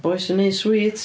Y boi sy'n wneud sweets?